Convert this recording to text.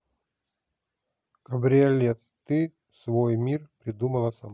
кабриолет ты свой мир придумала сама